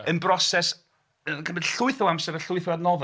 Yn broses... Mae'n cymryd llwyth o amser a llwyth o adnoddau.